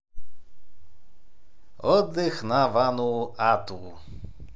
отдых на вануату